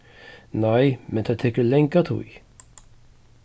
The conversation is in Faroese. nei men tað tekur langa tíð